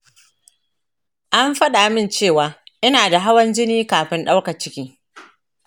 an fadamin cewa ina da hawan jini kafin daukar ciki.